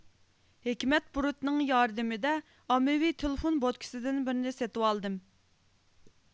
ھېكمەت بۇرۇتنىڭ ياردىمىدە ئاممىۋى تېلېفون بوتكىسىدىن بىرنى سېتىۋالدىم